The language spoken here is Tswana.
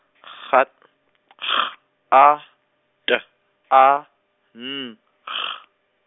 gat- , G, A, T, A, N, G.